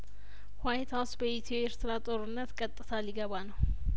ሁ ዋይት ሀውስ በኢትዮ ኤርትራ ጦርነት ቀጥታ ሊገባ ነው